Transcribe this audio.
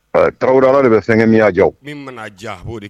Tarawla de bɛ fɛn min' ja mana ja